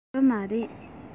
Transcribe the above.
ཡོད མ རེད